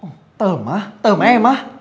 tởm á tởm em á